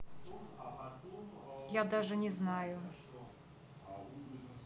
я даже не знаю